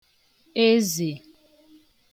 ezè